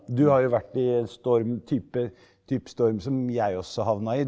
du har jo vært i en storm type type storm som jeg også havna i.